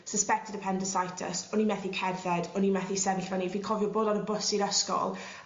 Suspected appendicitis o'n i methu cerdded o'n i methu sefyll fyny fi'n cofio bod ar y bws i'r ysgol